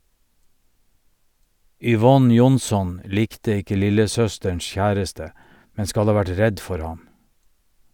Yvonne Jonsson likte ikke lillesøsterens kjæreste, men skal ha vært redd for ham.